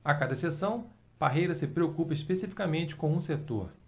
a cada sessão parreira se preocupa especificamente com um setor